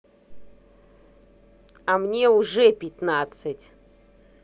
а мне уже пятнадцать